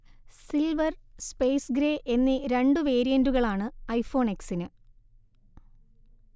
silver, space grey എന്നീ രണ്ടു വേരിയന്റുകളാണ് ഐഫോൺ എക്‌സിന്